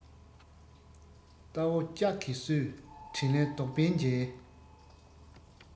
རྟ བོ ལྕགས གིས གསོས དྲིན ལན རྡོག པས འཇལ